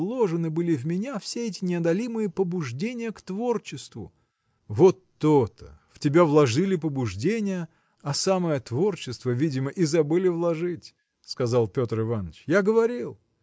вложены были в меня все эти неодолимые побуждения к творчеству?. – Вот то-то! в тебя вложили побуждения а самое творчество видно и забыли вложить – сказал Петр Иваныч – я говорил!